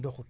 doxut